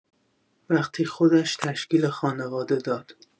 وقتی خودش تشکیل خانواده داد.